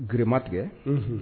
Gerema tigɛɛ unhun